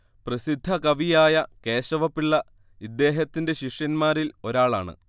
പ്രസിദ്ധകവിയായ കേശവപിള്ള ഇദ്ദേഹത്തിന്റെ ശിഷ്യന്മാരിൽ ഒരാളാണ്